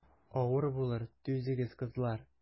Авыр булыр, түзегез, кызлар.